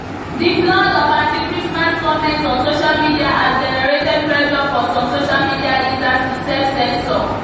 The flood of anti-Christmas comments on social media has generated pressure for some social media users to self-censor.